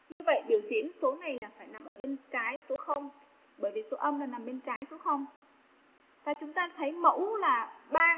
như vậy biểu diễn số này là ở bên trái số nằm bên trái đúng không chúng ta thấy mẫu là